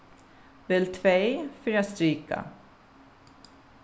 vel tvey fyri at strika